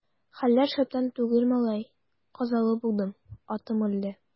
Хәлләр шәптән түгел, малай, казалы булдым, атым үлде.